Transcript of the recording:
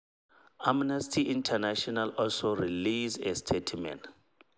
Amnesty International also released a statement